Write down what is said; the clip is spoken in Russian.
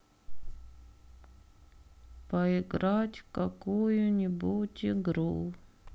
поиграть в какую нибудь игру